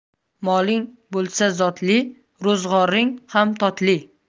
moling bo'lsa zotli ro'zg'oring ham totli